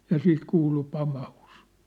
ja sitten kuului pamaus